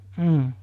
mm